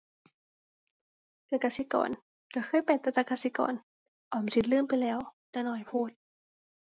เลือกกสิกร ก็เคยไปแต่กะกสิกร ออมสินลืมไปแล้ว แต่น้อยโพด